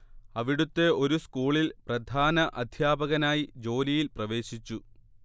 അവിടുത്തെ ഒരു സ്കൂളിൽ പ്രധാന അദ്ധ്യാപകനായി ജോലിയിൽ പ്രവേശിച്ചു